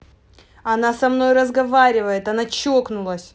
она со мной разговаривает она чокнулась